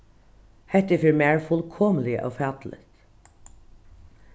hetta er fyri mær fullkomiliga ófatiligt